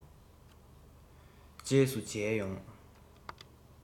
རྗེས སུ མཇལ ཡོང